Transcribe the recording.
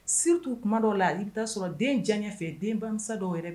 Stu kuma dɔw la i bɛ'a sɔrɔ den jan ɲɛfɛ denbasa dɔw yɛrɛ